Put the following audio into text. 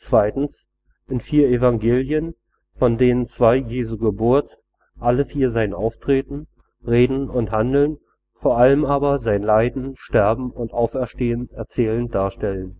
in vier Evangelien, von denen zwei Jesu Geburt, alle vier sein Auftreten, Reden und Handeln, vor allem aber sein Leiden, Sterben und Auferstehen erzählend darstellen